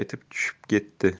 etib tushib ketdi